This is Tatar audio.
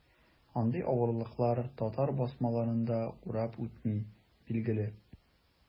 Андый авырлыклар татар басмаларын да урап үтми, билгеле.